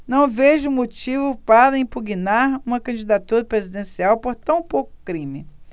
não vejo motivo para impugnar uma candidatura presidencial por tão pouco crime